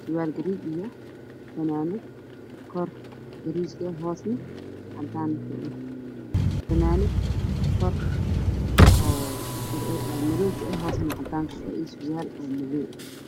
sarwaal giriin ah io fanaanad kor madaw ka ah io fanaanad kor ka cad io sar waal madaw